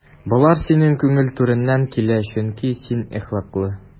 Болар синең күңел түреннән килә, чөнки син әхлаклы.